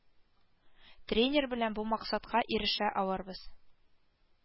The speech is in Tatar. Тренер белән бу максатка ирешә алырбыз